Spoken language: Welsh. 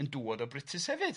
yn dŵad o Brutus hefyd.